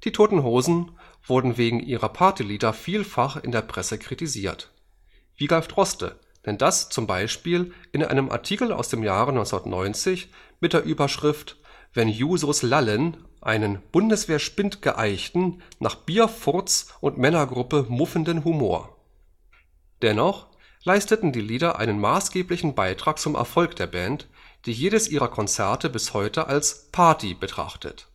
Toten Hosen wurden wegen ihrer Partylieder vielfach in der Presse kritisiert. Wiglaf Droste nennt das zum Beispiel in einem Artikel aus dem Jahre 1990 mit der Überschrift Wenn Jusos lallen einen „ bundeswehrspindgeeichten, nach Bierfurz und Männergruppe muffenden Humor “. Dennoch leisteten die Lieder einen maßgeblichen Beitrag zum Erfolg der Band, die jedes ihrer Konzerte bis heute als „ Party “betrachtet